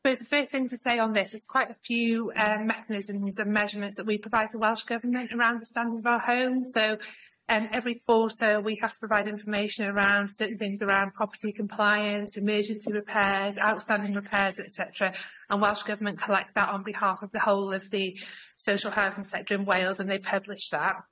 So I suppose the first thing to say on this is quite a few erm mechanisms and measurements that we provide to Welsh Government around the standing of our homes, so erm every quarter we have to provide information around certain things around property compliance, emergency repairs, outstanding repairs et cetera and Welsh Government collect that on behalf of the whole of the social housing sector in Wales and they publish that.